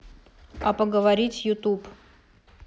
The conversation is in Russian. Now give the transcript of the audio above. а поговорить ютуб